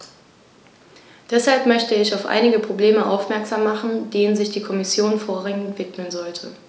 Deshalb möchte ich auf einige Probleme aufmerksam machen, denen sich die Kommission vorrangig widmen sollte.